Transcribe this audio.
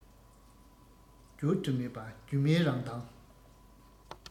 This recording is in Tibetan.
བསྒྱུར དུ མེད པ སྒྱུ མའི རང མདངས